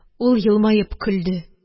Ул елмаеп көлде